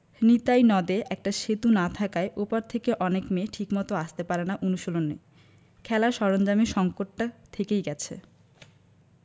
নিতাই নদে একটা সেতু না থাকায় ও পার থেকে অনেক মেয়ে ঠিকমতো আসতে পারে না অনুশীলনে খেলার সরঞ্জামের সংকটটা থেকেই গেছে